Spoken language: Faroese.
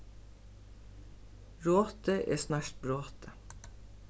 rotið er snart brotið